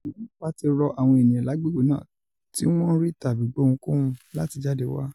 Àwọn ọlọ́ọ̀pá ti rọ àwọn ènìyàn lágbègbè náà tí wón rí tàbí gbọ́ ohunkóhun latí jáde wa.